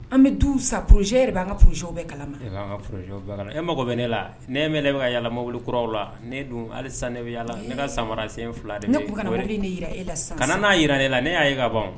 An bɛ du san projet e yɛrɛ b' an ka projets bɛ kala e mago bɛ ne la, ne bɛ e bɛ ka ka yala mobili kuraw la ne dun hali sisan ne bɛ yala ne ka samara sen fila de bɛ , ne tun bɛ ka na papier in de jira e la sisan sisan, kana n'a jira ne ne y'a ye ka ban